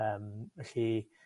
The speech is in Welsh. Yym felly.